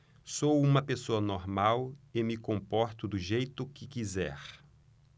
sou homossexual e me comporto do jeito que quiser